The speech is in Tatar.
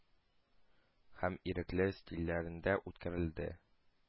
Һәм ирекле стильләрендә үткәрелде,